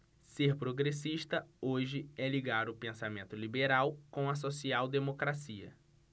ser progressista hoje é ligar o pensamento liberal com a social democracia